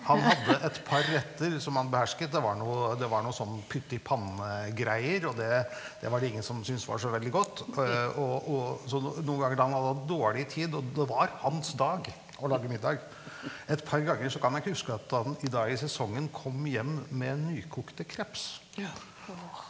han hadde et par retter som han behersket, det var noe det var noe sånn pyttipannegreier, og det det var det ingen som synes var så veldig godt, og og så noen ganger da han hadde hatt dårlig tid og det var hans dag å lage middag et par ganger så kan jeg ikke huske at han i da i sesongen kom hjem med nykokte kreps.